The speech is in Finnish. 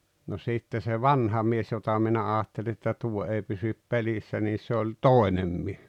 no sitten se vanha mies jota minä ajattelin että tuo ei pysy pelissä niin se oli toinen mies